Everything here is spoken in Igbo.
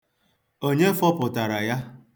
Onye fọpụtara ya?